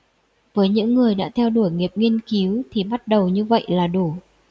với những người đã theo đuổi nghiệp nghiên cứu thì bắt đầu như vậy là đủ